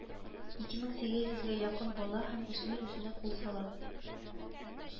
Ике мең сигез йөзгә якын бала һәм үсмер үзенә кул сала